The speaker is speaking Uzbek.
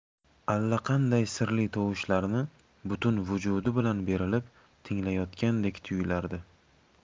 allaqanday sirli tovushlarni butun vujudi bilan berilib tinglayotgandek tuyulardi